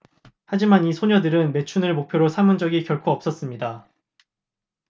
하지만 이 소녀들은 매춘을 목표로 삼은 적이 결코 없었습니다